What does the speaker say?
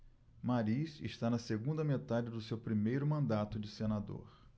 mariz está na segunda metade do seu primeiro mandato de senador